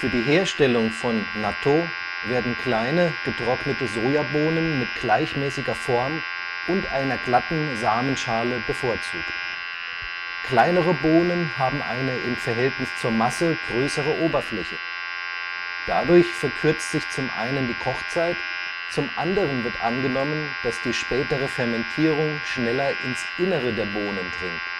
die Herstellung von Nattō werden kleine, getrocknete Sojabohnen mit gleichmäßiger Form und einer glatten Samenschale bevorzugt. Kleinere Bohnen haben eine im Verhältnis zur Masse größere Oberfläche. Dadurch verkürzt sich zum einen die Kochzeit, zum anderen wird angenommen, dass die spätere Fermentierung schneller ins Innere der Bohnen dringt